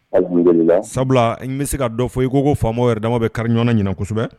Sabula i bɛ se kaa dɔ fɔ i ko ko faama yɛrɛ dama bɛ kari ɲɔgɔnɔn ɲin kosɛbɛ